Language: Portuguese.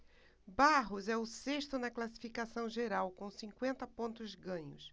barros é o sexto na classificação geral com cinquenta pontos ganhos